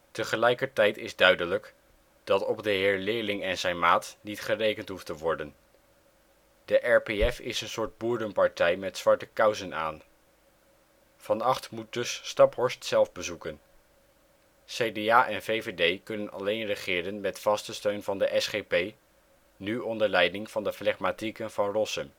Tegelijkertijd is duidelijk dat op de heer Leerling en zijn maat niet gerekend hoeft te worden. De RPF is een soort Boerenpartij met zwarte kousen aan. Van Agt moet dus Staphorst zelf bezoeken. CDA en VVD kunnen alleen regeren met vaste steun van de SGP, nu onder leiding van de flegmatieke Van Rossum